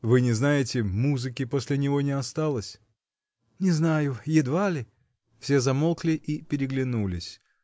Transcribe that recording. -- Вы не знаете, музыки после него не осталось? -- Не знаю; едва ли. Все замолкли и переглянулись.